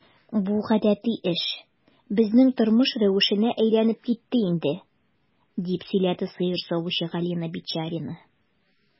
Бу гадәти эш, безнең тормыш рәвешенә әйләнеп китте инде, - дип сөйләде сыер савучы Галина Бичарина.